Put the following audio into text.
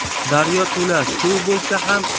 daryo to'la suv bo'lsa ham